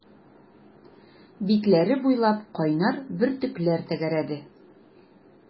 Битләре буйлап кайнар бөртекләр тәгәрәде.